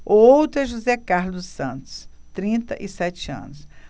o outro é josé carlos dos santos trinta e sete anos